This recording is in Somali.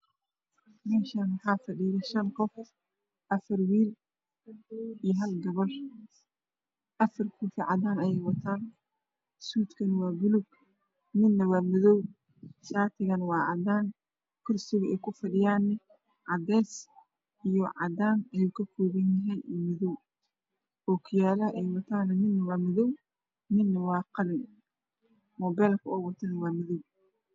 Meshan waxaa fadhido shanqof afar wiil iyo hal gabar afar kursi cadaan ayey wataan sudka waa palug midna waa madow shaatigana waa cadaan kursiga ey ku fadhiyaana cadees iyo cadaan ayuu ka kopanyahy iyo madow okiyaalaha wy wataan mid waa madow midna waa qalin mopeelka uu watana wa madow